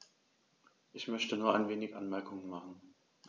Ich möchte nur wenige Anmerkungen machen.